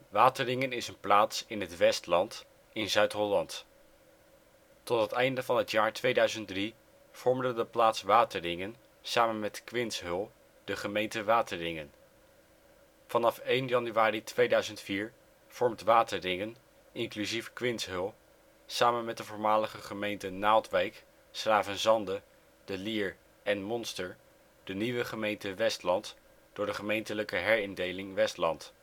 Wateringen is een plaats in het Westland in Zuid-Holland (gemeente Westland). Tot het einde van het jaar 2003 vormde de plaats Wateringen samen met Kwintsheul de gemeente Wateringen. Vanaf 1 januari 2004 vormt Wateringen (inclusief Kwintsheul) samen met de voormalige gemeenten Naaldwijk, ' s-Gravenzande, De Lier en Monster de nieuwe gemeente Westland door de gemeentelijke herindeling Westland